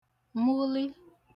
mụlị